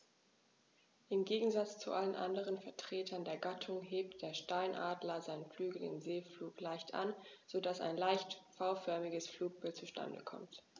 Im Gegensatz zu allen anderen Vertretern der Gattung hebt der Steinadler seine Flügel im Segelflug leicht an, so dass ein leicht V-förmiges Flugbild zustande kommt.